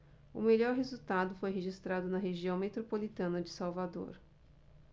o melhor resultado foi registrado na região metropolitana de salvador